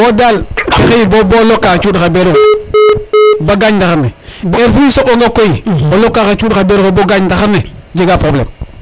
wo dal fexeyi bo loka xa cuuɗ xa beeru xe ba gañ ndaxar ne heure :fre fu soɓonga koy o loka xa cuuɗ xa beeruxe bo gaañ ndaxar ne jega probleme